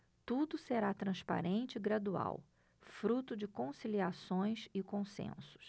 tudo será transparente e gradual fruto de conciliações e consensos